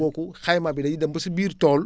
kooku xayma bi dañuy dem ba sa biir tool